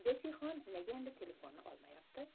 jessi nega endi telefonni olmayapti